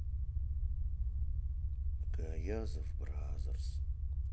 гаязов бразерс